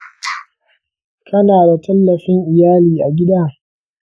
kana da tallafin iyali a gida?